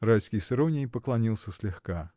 Райский с иронией поклонился слегка.